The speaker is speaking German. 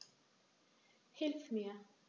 Hilf mir!